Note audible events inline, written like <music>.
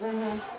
<hesitation> <hesitation>